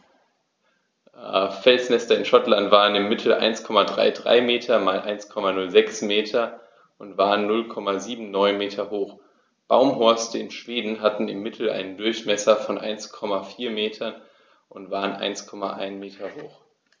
Felsnester in Schottland maßen im Mittel 1,33 m x 1,06 m und waren 0,79 m hoch, Baumhorste in Schweden hatten im Mittel einen Durchmesser von 1,4 m und waren 1,1 m hoch.